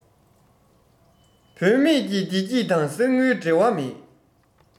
བུད མེད ཀྱི བདེ སྐྱིད དང གསེར དངུལ འབྲེལ བ མེད